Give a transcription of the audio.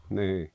niin